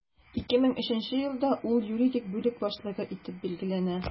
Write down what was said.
2003 елда ул юридик бүлек башлыгы итеп билгеләнә.